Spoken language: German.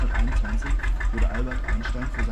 1921 wurde Albert Einstein für